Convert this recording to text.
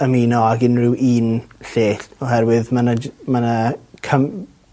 ymuno ag unryw un lle ll- oherwydd ma' 'na j- ma' 'na cam-